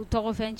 U tɔgɔfɛn cɛ